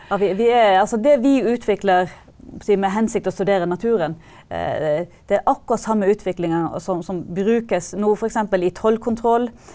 ja vi er altså det vi utvikler på si med hensikt å studere naturen det er akkurat samme utviklingen som brukes nå f.eks. i tollkontroll.